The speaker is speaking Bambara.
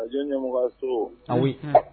J yeuganso ayi